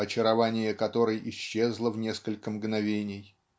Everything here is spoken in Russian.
очарование которой исчезло в несколько мгновений.